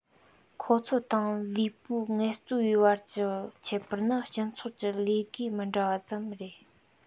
ཁོ ཚོ དང ལུས པོའི ངལ རྩོལ པའི བར གྱི ཁྱད པར ནི སྤྱི ཚོགས ཀྱི ལས བགོས མི འདྲ བ ཙམ རེད